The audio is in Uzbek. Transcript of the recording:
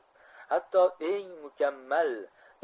hatto eng mukammal